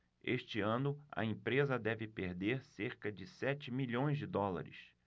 este ano a empresa deve perder cerca de sete milhões de dólares